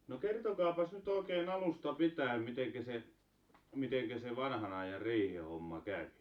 no kertokaapas nyt oikein alusta pitäen miten se miten se vanhanajan riihihomma kävi